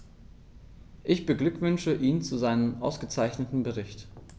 Ich beglückwünsche ihn zu seinem ausgezeichneten Bericht.